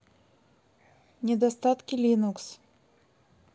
недостатки linux